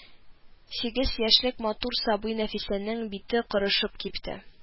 Сигез яшьлек матур сабый Нәфисәнең бите корышып кипте